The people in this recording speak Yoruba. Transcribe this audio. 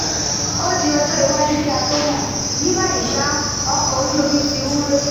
Ó di ọjọ́ iwájú kí á tó mọ̀. Ní báyìí ṣá, ọkọ̀ ojú omi ti ń ré.